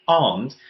ond